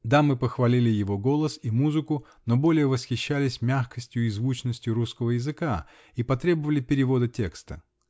Дамы похвалили его голос и музыку, но более восхищались мягкостью и звучностью русского языка и потребовали перевода текста.